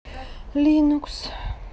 linux